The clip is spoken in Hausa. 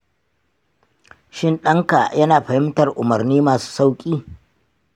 shin ɗanka yana fahimtar umarni masu sauƙi?